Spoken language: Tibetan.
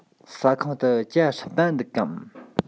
ཟ ཁང དུ ཇ སྲུབས མ འདུག གམ